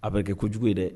A bɛ kɛ kojugu ye dɛ